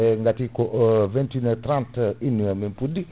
gati ko o 21 une heure 31 mi puɗɗi